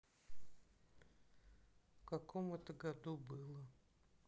в каком это году было